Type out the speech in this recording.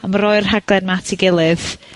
am roi'r rhaglen 'ma at 'i gilydd